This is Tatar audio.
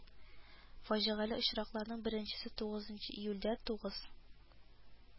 Фаҗигале очракларның беренчесе тугызынчы июльдә тугыз